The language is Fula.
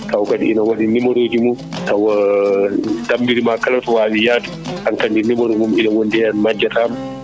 taw kadi ina waɗi numéro uji mum tawa dammiri ma kala to waalwi yaade hankkandi numéro mum ina wondi hen majjata